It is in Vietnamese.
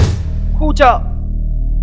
khu chợ